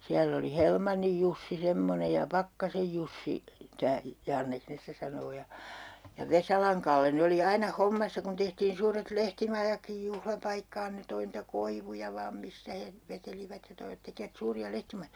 siellä oli Helmannin Jussi semmoinen ja Pakkasen Jussi tämä Janneksi ne sitä sanoo ja Vesalan Kalle ne oli aina hommassa kun tehtiin suuret lehtimajatkin juhlapaikkaan ne toi niitä koivuja vain mistä he vetelivät ja toivat tekivät suuria lehtimajoja